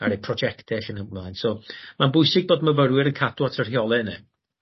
ar eu projecte 'lly'n ymlaen so ma'n bwysig bod myfyrwyr yn cadw at y rheole yne.